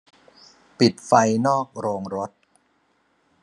ปิดไฟนอกโรงรถ